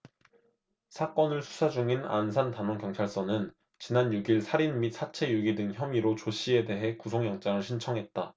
사건을 수사중인 안산단원경찰서는 지난 육 일 살인 및 사체유기 등 혐의로 조씨에 대해 구속영장을 신청했다